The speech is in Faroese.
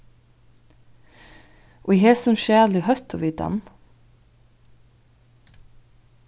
í hesum skjali hóttu vit hann